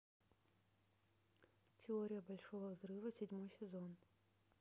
теория большого взрыва седьмой сезон